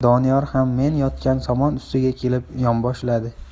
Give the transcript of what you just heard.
doniyor ham men yotgan somon ustiga kelib yonboshladi